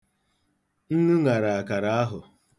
Nnu ṅara akara ahụ.